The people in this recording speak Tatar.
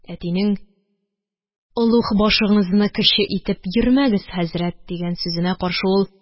Әтинең: – Олуг башыңызны кече итеп йөрмәңез, хәзрәт, – дигән сүзенә каршы ул